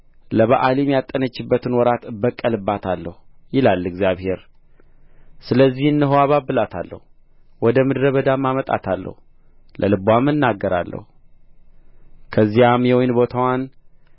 ለበኣሊም ያጠነችበትን ወራት እበቀልባታለሁ ይላል እግዚአብሔር ስለዚህ እነሆ አባብላታለሁ ወደ ምድረ በዳም አመጣታለሁ ለልብዋም እናገራለሁ ከዚያም የወይን ቦታዋን